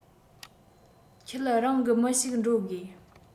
ཁྱེད རང གི མི ཞིག འགྲོ དགོས